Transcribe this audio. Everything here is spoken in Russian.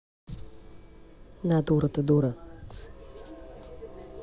natura ты дура